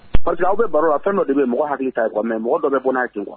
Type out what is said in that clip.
Pa aw bɛ baro la fɛn dɔ de bɛ mɔgɔ hakɛ takɔ mɛ mɔgɔ dɔ bɛ bɔna kɛ wa